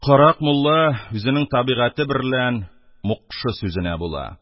Карак мулла үзенең табигате берлән, мукшы сүзенә була,